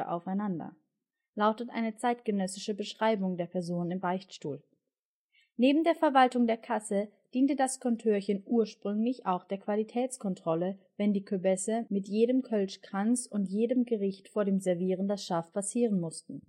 aufeinander “lautet eine zeitgenössische Beschreibung der Personen im Beichtstuhl. Neben der Verwaltung der Kasse diente das Kontörchen ursprünglich auch der Qualitätskontrolle, wenn die Köbesse mit jedem Kölschkranz und jedem Gericht vor dem Servieren das Schaaf passieren mussten